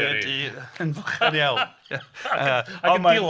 .